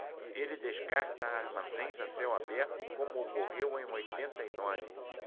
ele descarta armazéns a céu aberto como ocorreu em oitenta e nove